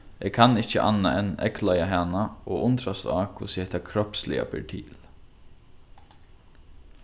eg kann ikki annað enn eygleiða hana og undrast á hvussu hetta kropsliga ber til